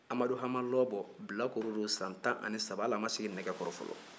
amadu hama lɔbɔ bilakoro don san tan ni saba hali a ma sigi nɛgɛkɔrɔ fɔlɔ